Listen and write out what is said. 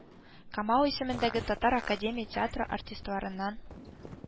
Камал исемендәге татар академия театры артистларыннан